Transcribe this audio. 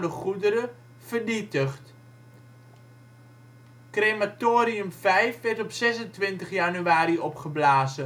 goederen vernietigd. Crematorium V werd op 26 januari opgeblazen. De